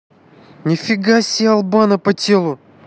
нифига себе албана по телу